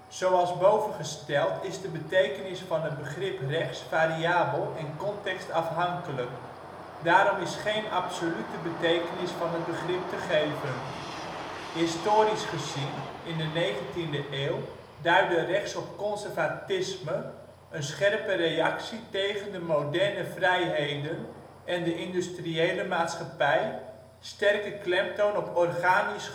Zoals boven gesteld is de betekenis van het begrip " rechts " variabel en context afhankelijk. Daarom is geen " absolute " betekenis van het begrip te geven. Historisch gezien - in de 19de eeuw - duidde rechts op conservatisme, een scherpe reactie tegen de moderne vrijheden en de industriële maatschappij, sterke klemtoon op organisch